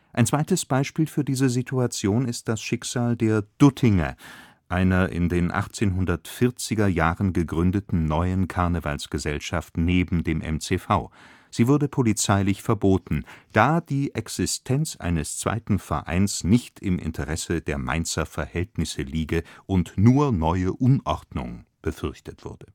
Ein zweites Beispiel für diese Situation ist das Schicksal der „ Duttinger “, einer in den 1840er Jahren gegründeten neuen Karnevalsgesellschaft neben dem MCV. Sie wurde polizeilich verboten, „ da die Existenz eines zweiten Vereins nicht im Interesse der Mainzer Verhältnisse liege “, und „ nur neue Unordnung “befürchtet wurde